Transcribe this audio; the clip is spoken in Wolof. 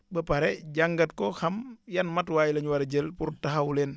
ba pare jàngat ko xam yan matuwaay la ñu war a jël pour taxawu leen